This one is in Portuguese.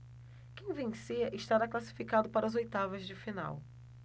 quem vencer estará classificado para as oitavas de final